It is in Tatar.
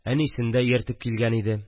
Әнисен дә ияртеп килгән иде